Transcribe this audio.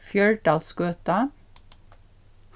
fjørdalsgøta